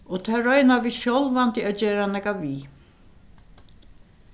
og tað royna vit sjálvandi at gera nakað við